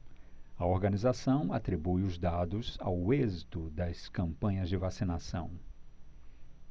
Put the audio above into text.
a organização atribuiu os dados ao êxito das campanhas de vacinação